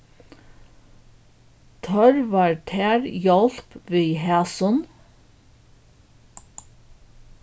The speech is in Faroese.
tørvar tær hjálp við hasum